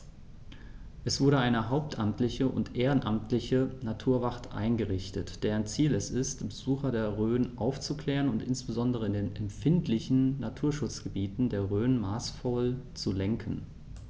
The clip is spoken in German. Es wurde eine hauptamtliche und ehrenamtliche Naturwacht eingerichtet, deren Ziel es ist, Besucher der Rhön aufzuklären und insbesondere in den empfindlichen Naturschutzgebieten der Rhön maßvoll zu lenken.